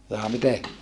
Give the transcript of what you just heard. jaa miten